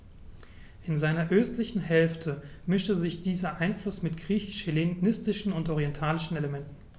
In seiner östlichen Hälfte mischte sich dieser Einfluss mit griechisch-hellenistischen und orientalischen Elementen.